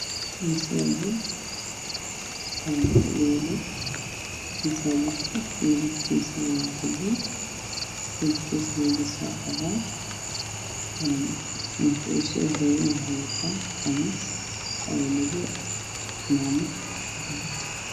Waa masaajid waxaa jooga niman qaar way tukanayaan qaar way fadhiyaan waxay wataan khamiistii madow shaati jaalo